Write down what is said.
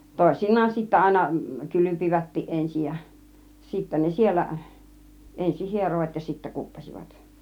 toisinaan sitten aina kylpivätkin ensin ja sitten ne siellä ensin hieroivat ja sitten kuppasivat